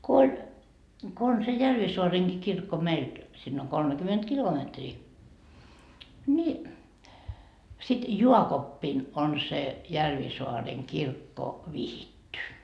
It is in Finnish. kun oli kun on se Järvisaarenkin kirkko meiltä sinne on kolmekymmentä kilometriä niin sitten jaakoppina on se Järvisaaren kirkko vihitty